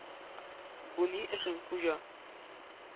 — бу ни эшең, хуҗа?